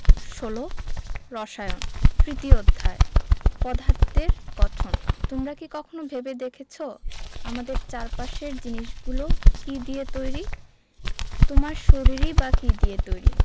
১৬ রসায়ন তৃতীয় অধ্যায় পদার্থের গঠন তোমরা কি কখনো ভেবে দেখেছ আমাদের চারপাশের জিনিসগুলো কী দিয়ে তৈরি তোমার শরীরই বা কী দিয়ে তৈরি